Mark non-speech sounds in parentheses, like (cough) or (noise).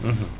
(hesitation) (hesitation)